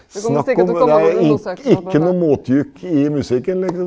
snakk om det er ikke noe motjukk i musikken liksom.